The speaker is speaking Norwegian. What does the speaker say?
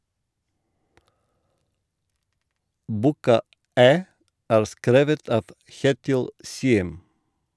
Boka "Æ" er skrevet av Kjetil Siem.